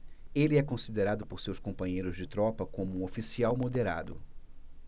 ele é considerado por seus companheiros de tropa como um oficial moderado